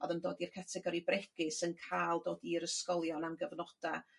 odd yn dod i'r categori bregus yn ca'l dod i'r ysgolion am gyfnoda